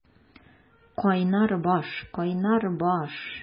Кайнар баш, кайнар баш!